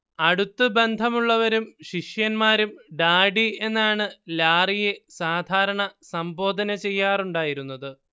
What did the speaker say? അടുത്തു ബന്ധമുള്ളവരും ശിഷ്യന്മാരും ഡാഡി എന്നാണ് ലാറിയെ സാധാരണ സംബോധന ചെയ്യാറുണ്ടായിരുന്നത്